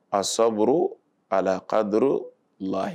A sababu a la ka dɔ la